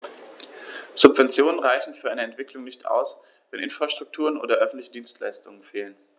Subventionen reichen für eine Entwicklung nicht aus, wenn Infrastrukturen oder öffentliche Dienstleistungen fehlen.